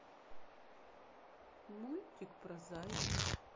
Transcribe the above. мультик про зайку